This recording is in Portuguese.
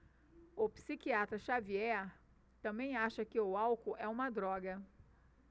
o psiquiatra dartiu xavier também acha que o álcool é uma droga